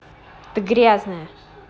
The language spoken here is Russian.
ты грязная